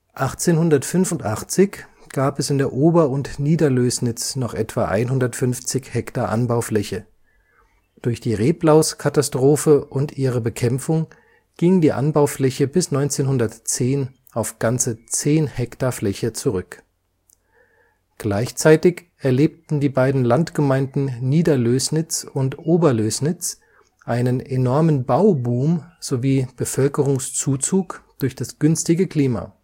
1885 gab es in der Ober - und Niederlößnitz noch etwa 150 Hektar Anbaufläche, durch die Reblauskatastrophe und ihre Bekämpfung ging die Anbaufläche bis 1910 auf ganze 10 Hektar Fläche zurück. Gleichzeitig erlebten die beiden Landgemeinden Niederlößnitz und Oberlößnitz einen enormen Bauboom sowie Bevölkerungszuzug durch das günstige Klima